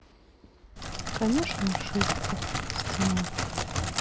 конечно ошибку стена